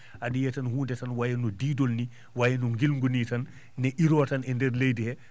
aɗa yiiya tan huunde tan waya no diidol ni wayi no gilngu nii tan ne iroo tan e ndeer leydi he